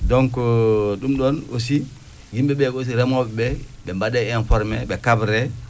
donc ɗum ɗon aussi yimɓe ɓe aussi remooɓe ɓee ɓe mbaɗee informer ɓe kabree